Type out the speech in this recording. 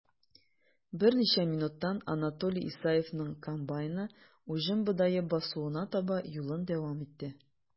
Берничә минуттан Анатолий Исаевның комбайны уҗым бодае басуына таба юлын дәвам итте.